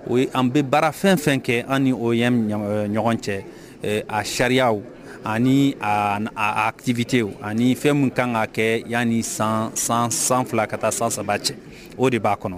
O an bɛ baara fɛn o fɛn kɛ an ni ON ni ɲɔgɔn cɛ, a sariya ani ativités ani fɛn minnu ka kan ka kɛ yani san 2 ka taa san3 cɛ, o de b'a kɔnɔ.